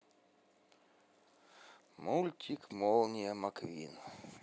мультик молния маквин